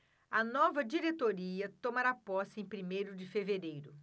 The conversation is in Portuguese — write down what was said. a nova diretoria tomará posse em primeiro de fevereiro